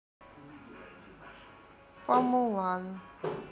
фамулан